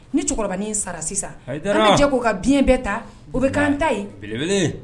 Ni cɛkɔrɔbain in sara sisanjɛ ko ka bin bɛɛ ta o bɛ kanta ye